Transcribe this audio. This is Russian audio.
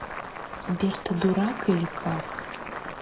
сбер ты дурак или как